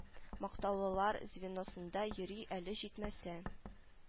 Мактаулылар звеносында йөри әле җитмәсә